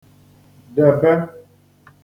debe